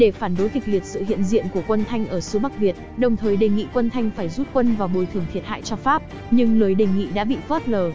để phản đối kịch liệt sự hiện diện của quân thanh ở xứ bắc việt đồng thời đề nghị quân thanh phải rút quân và bồi thường thiệt hại cho pháp nhưng lời đề nghị đã bị phớt lờ